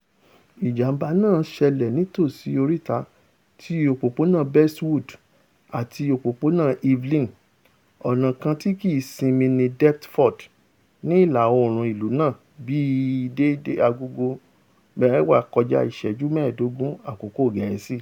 Ìjàm̀bá náà ṣẹlẹ̀ nítòsí oríta ti Òpópónà Bestwood àti Òpópònà Evelyn, ọ̀nà kàn tí kìí sinmi ní Deptfird, ní ìlà-oòrùn ìlú náà ní bíi aago mẹ́wàá kọjá ìṣẹ́gún mẹ́ẹ̀ẹ́dógún Àkókò Gẹ̀ẹ́sì.